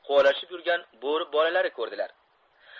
quvalashib yurgan bo'ri bolalari ko'rdilar